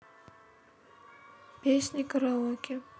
песни караоке